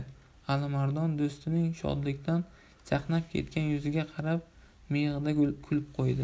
alimardon do'stining shodlikdan chaqnab ketgan yuziga qarab miyig'ida kulib qo'ydi